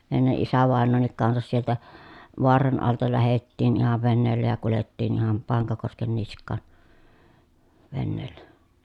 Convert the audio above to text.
ennen isävainajankin kanssa sieltä Vaaran alta lähdettiin ihan veneellä ja kuljettiin ihan Pankakosken niskaan veneellä